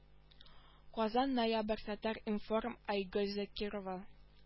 Казан ноябрь татар-информ айгөл закирова